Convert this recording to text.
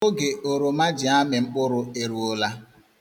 Oge oroma ji amị mkpụrụ eruola.